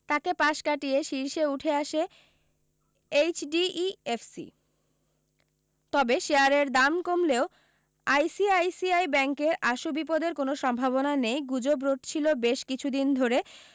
তাকে পাশ কাটিয়ে শীর্ষে উঠে আসে এইচডিইফসি তবে শেয়ারের দাম কমলেও আইসিআইসিআই ব্যাংকে আশু বিপদের কোনও সম্ভাবনা নেই গুজব রটছিল বেশ কিছুদিন ধরে